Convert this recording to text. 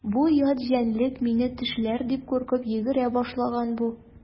Бу ят җәнлек мине тешләр дип куркып йөгерә башлаган бу.